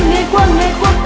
ngày qua